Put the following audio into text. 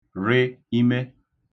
rị ime